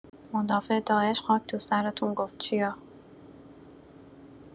مدافع داعش خاک تو سرتون گفت چیا.